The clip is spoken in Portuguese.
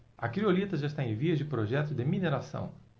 a criolita já está em vias de projeto de mineração